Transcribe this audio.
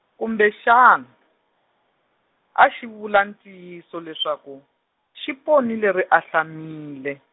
kumbexani, a xi vula ntiyiso leswaku, xi ponile ri ahlamile.